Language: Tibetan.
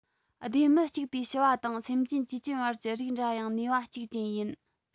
སྡེ མི གཅིག པའི བྱི བ དང སེམས ཅན ཅུས ཅིན བར གྱི རིགས འདྲ ཡང ནུས པ གཅིག ཅན ཡིན